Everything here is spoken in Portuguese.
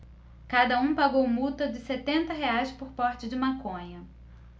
cada um pagou multa de setenta reais por porte de maconha